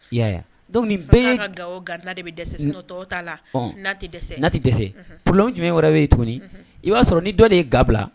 Y bɛɛ ga de bɛ la natɛ dɛsɛse p jumɛn wɛrɛ bɛ yen to i b'a sɔrɔ ni dɔ de ye gabila